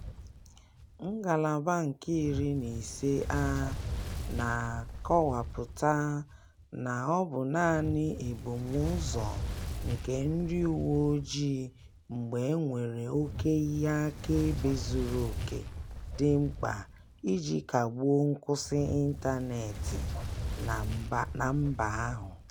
Ngalaba 15a na-akọwapụta na ọ bụ naanị "ebumụzọ" nke ndị uwe ojii mgbe e nwere "oke ihe akaebe zuru oke" dị mkpa iji kagbuo nkwụsị ịntaneetị na mba ahụ.